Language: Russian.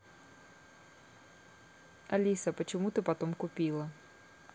алиса почему ты потом купила